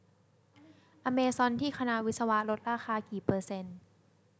อเมซอนที่คณะวิศวะลดราคากี่เปอร์เซ็นต์